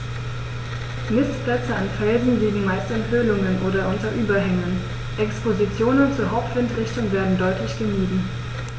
Nistplätze an Felsen liegen meist in Höhlungen oder unter Überhängen, Expositionen zur Hauptwindrichtung werden deutlich gemieden.